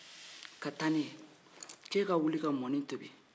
k'e ka wuli ka mɔni tobi